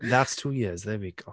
That's two years. There we go.